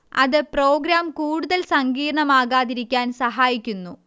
അത് പ്രോഗ്രാം കൂടുതൽ സങ്കീർണ്ണമാകാതിരിക്കാൻ സഹായിക്കുന്നു